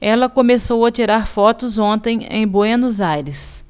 ela começou a tirar fotos ontem em buenos aires